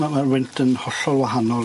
Ma' ma'r wynt yn hollol wahanol.